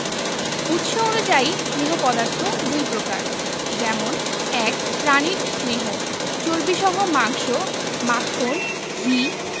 উৎস অনুযায়ী স্নেহ পদার্থ দুই প্রকার যেমন ১. প্রাণিজ স্নেহ চর্বিসহ মাংস মাখন ঘি